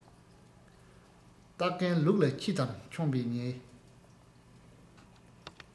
སྟག རྒན ལུག ལ ཁྱི ལྟར མཆོངས པས ཉེས